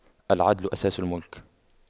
العدل أساس الْمُلْك